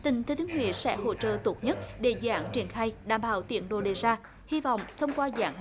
tỉnh thừa thiên huế sẽ hỗ trợ tốt nhất để dự án triển khai đảm bảo tiến độ đề ra hi vọng thông qua dự án